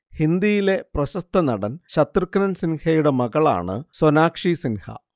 ഹിന്ദിയിലെ പ്രശസ്ത നടൻ ശത്രുഘ്നൻ സിൻഹയുടെ മകളാണ് സൊനാക്ഷി സിൻഹ